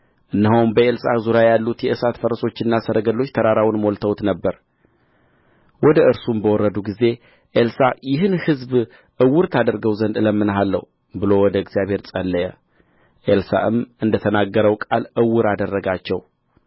እነሆም በኤልሳዕ ዙሪያ ያሉት የእሳት ፈረሶችና ሰረገሎች ተራራውን ሞልተውት ነበር ወደ እርሱም በወረዱ ጊዜ ኤልሳዕ ይህን ሕዝብ ዕውር ታደርገው ዘንድ እለምንሃለሁ ብሎ ወደ እግዚአብሔር ጸለየ ኤልሳዕም እንደ ተናገረው ቃል ዕውር አደረጋቸው